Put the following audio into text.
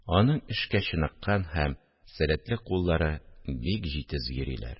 Аның эшкә чыныккан һәм сәләтле куллары бик җитез йөриләр